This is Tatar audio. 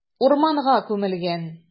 Урманга күмелгән.